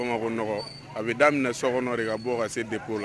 Ko a bɛ daminɛ sokɔnɔ de ka bɔ ka se de' la